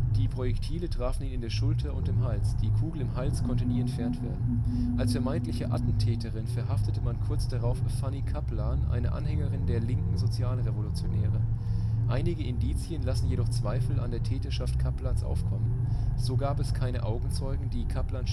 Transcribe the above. Die Projektile trafen ihn in der Schulter und im Hals. Die Kugel im Hals, konnte nie entfernt werden. Als vermeintliche Attentäterin verhaftete man kurz darauf Fanny Kaplan, eine Anhängerin der Linken Sozialrevolutionäre. Einige Indizien lassen jedoch Zweifel an der Täterschaft Kaplans aufkommen. So gab es keine Augenzeugen die Kaplan